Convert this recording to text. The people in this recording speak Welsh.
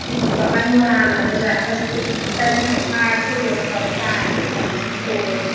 Fi'n gwybod. Mae mor anodd yndyw e, achos fel ti'n gweud ma' dwy ochr i'r ddadl, fel ti'n sôn.